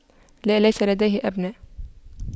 لا ليس لديه أبناء